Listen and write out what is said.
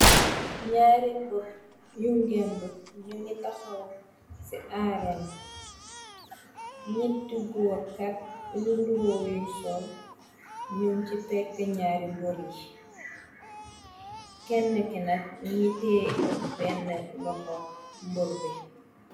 Naari mbor yu ngemb ñu ngi taxaw ci aren, ñiti góor tat yu nduroo yuñ sol, ñun ci pegg ñaari mbor yi, kenn kina nite benn loxo mbor bi.